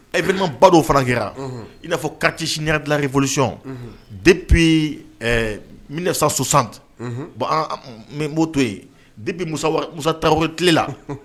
Ɛ badɔ farakira i n'a fɔ katisi dilankiolisi de bɛ mini sa susan bɔn b'o to yen de bɛ mu taabolo tile la